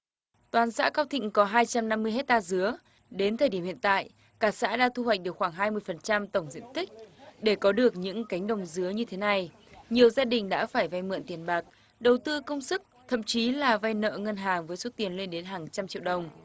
toàn xã cao thịnh có hai trăm năm mươi héc ta dứa đến thời điểm hiện tại cả xã đã thu hoạch được khoảng hai mươi phần trăm tổng diện tích để có được những cánh đồng dứa như thế này nhiều gia đình đã phải vay mượn tiền bạc đầu tư công sức thậm chí là vay nợ ngân hàng với số tiền lên đến hàng trăm triệu đồng